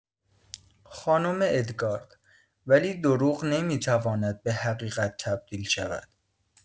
خانم ادگار: ولی دروغ نمی‌تواند به حقیقت تبدیل شود.